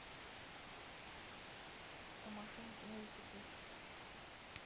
про машинки мультики